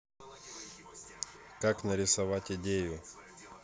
как нарисовать идею